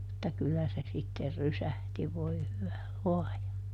mutta kyllä se sitten rysähti voi hyvä luoja